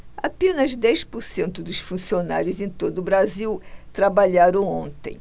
apenas dez por cento dos funcionários em todo brasil trabalharam ontem